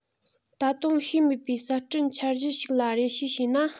ད དུང ཤེས མེད པའི གསར སྐྲུན འཆར གཞི ཞིག ལ རེ ཞུ བྱས ན